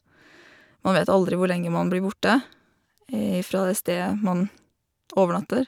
Man vet aldri hvor lenge man blir borte ifra det stedet man overnatter.